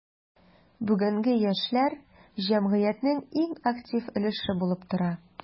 Бүгенге яшьләр – җәмгыятьнең иң актив өлеше булып тора.